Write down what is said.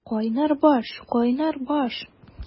Кайнар баш, кайнар баш!